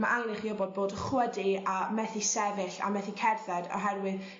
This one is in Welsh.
ma' angen i chi wbod bod chwydu a methu sefyll a methu cerdded oherwydd